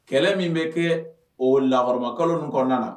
Kɛlɛ min bɛ kɛ o lakkɔrɔma ninnu kɔnɔna na